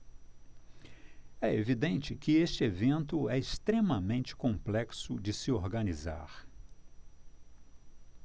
é evidente que este evento é extremamente complexo de se organizar